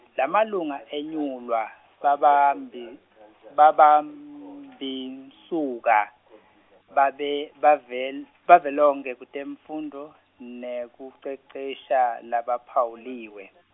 lamalunga enyulwa, babambi-, babambimsuka, babe bavel- bavelonkhe kutemfundvo nekucecesha labaphawuliwe.